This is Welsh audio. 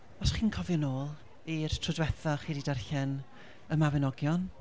Os chi'n cofio nôl i'r tro diwetha o'ch chi 'di darllen y Mabinogion.